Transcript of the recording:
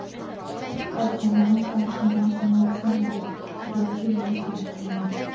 Շատ կարճ ժամանակ անց նրանց միացան նաև բենդի մյուս անդամները։